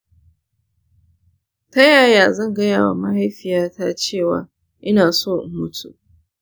ta yaya zan gaya wa mahaifiyata cewa ina so in mutu?